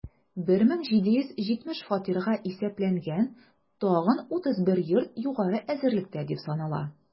1770 фатирга исәпләнгән тагын 31 йорт югары әзерлектә дип санала.